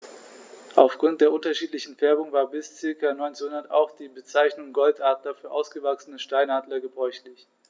Auf Grund der unterschiedlichen Färbung war bis ca. 1900 auch die Bezeichnung Goldadler für ausgewachsene Steinadler gebräuchlich.